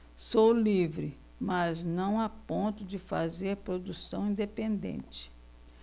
sou livre mas não a ponto de fazer produção independente